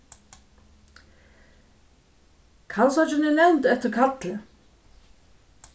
kalsoyggin er nevnt eftir kalli